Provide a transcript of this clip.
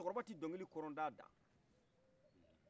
cɛkɔrɔba ti dɔnkili kɔrɔ ntada